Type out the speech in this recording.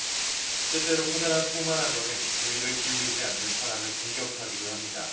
때때로 커다란 소만악어는 주의를 기울이지 않는 사람을 공격하기도 합니다